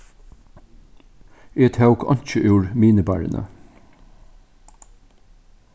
eg tók einki úr minibarrini